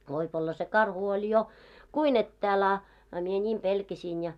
voi olla se karhu oli jo kuinka etäällä a a minä niin pelkäsin ja